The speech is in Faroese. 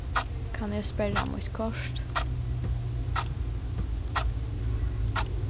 kann eg sperra mítt kort